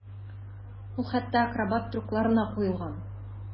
Ул хәтта акробат трюкларына куелган.